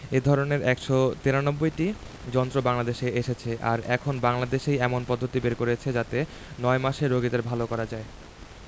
এ ধরনের ১৯৩টি যন্ত্র বাংলাদেশে এসেছে আর এখন বাংলাদেশই এমন পদ্ধতি বের করেছে যাতে ৯ মাসেই রোগীদের ভালো করা যায়